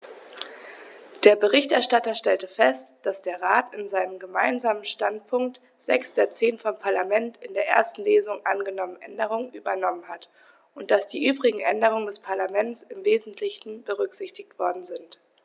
Der Berichterstatter stellte fest, dass der Rat in seinem Gemeinsamen Standpunkt sechs der zehn vom Parlament in der ersten Lesung angenommenen Änderungen übernommen hat und dass die übrigen Änderungen des Parlaments im wesentlichen berücksichtigt worden sind.